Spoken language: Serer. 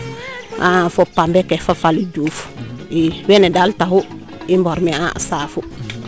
fo pambe ke fo Fallou Diouf i weene daal taxu i mborme a a saafu i